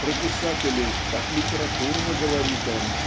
про писателей так литературно говорит он